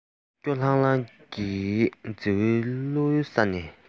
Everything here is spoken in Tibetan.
སྐྱོ ལྡང ལྡང གི རྫི བོའི ལ གླུ བོར ས ནས